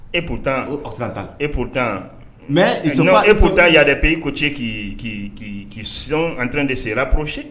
E potan e potan mɛ e pota ya dɛp e ko cɛ k' k k' ant de sen pose